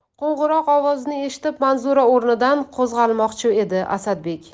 qo'ng'iroq ovozini eshitib manzura o'rnidan qo'zg'almoqchi edi asadbek